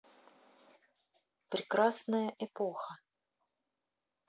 прекрасная эпоха